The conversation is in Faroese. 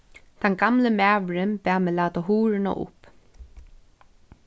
tann gamli maðurin bað meg lata hurðina upp